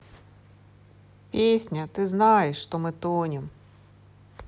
песня ты знаешь что мы тонем